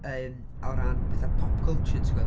Yn o ran pethau pop culture ti'n gwybod.